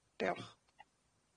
Diolch.